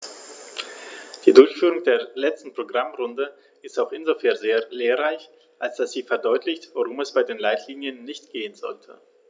Die Durchführung der letzten Programmrunde ist auch insofern sehr lehrreich, als dass sie verdeutlicht, worum es bei den Leitlinien nicht gehen sollte.